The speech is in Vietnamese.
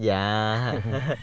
dạ